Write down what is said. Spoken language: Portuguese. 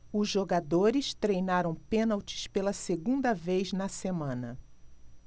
os jogadores treinaram pênaltis pela segunda vez na semana